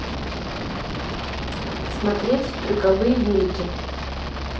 смотреть трюковые велики